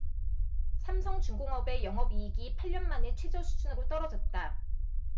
삼성중공업의 영업이익이 팔 년 만에 최저수준으로 떨어졌다